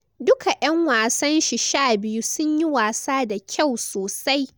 Duka yan wasan shi 12 sunyi wasa da kyau sosai.